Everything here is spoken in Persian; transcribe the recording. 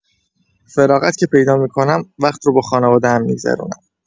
فراغت که پیدا می‌کنم، وقت رو با خانواده‌ام می‌گذرونم.